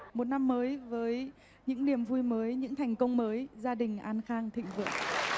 một năm mới với những niềm vui mới những thành công mới gia đình an khang thịnh vượng